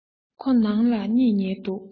ཁོ ནང དུ གཉིད ཉལ འདུག